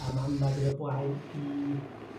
a mama' ag yn y blaen i